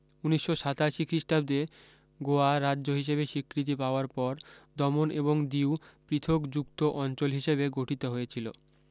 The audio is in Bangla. উনিশশ সাতাশি খ্রীষ্টাব্দে গোয়া রাজ্য হিসেবে স্বীকৃতি পাওয়ার পর দমন এবং দিউ পৃথক যুক্ত অঞ্চল হিসেবে গঠিত হয়েছিলো